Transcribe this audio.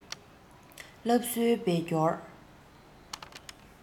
སློབ གསོའི བོད སྐྱོར